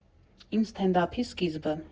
Իմ ստենդափի սկիզբը։